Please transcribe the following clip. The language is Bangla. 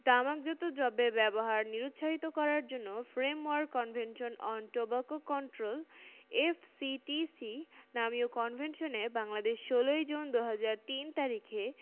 তামাকজাত দ্রব্যের ব্যবহার নিরুৎসাহিত করার জন্য framework convention on tobacco control F C T C নামীয় কনভেনশনে বাংলাদেশ ১৬ জুন ২০০৩ তারিখে